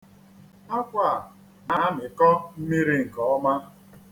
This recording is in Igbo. Akwa a na-amịkọ mmiri nke ọma.